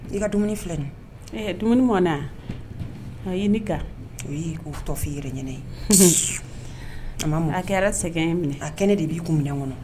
I ka dumuni fila nin ɛɛ dumuni mɔn ye ne o ye' tɔfin i yɛrɛ ɲ ye a a kɛra sɛgɛn minɛ a kɛnɛ de b'i kun kɔnɔ